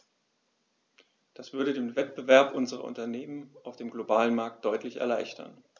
Das würde den Wettbewerb unserer Unternehmen auf dem globalen Markt deutlich erleichtern.